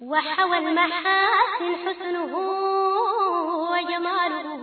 Walɔ wakumadu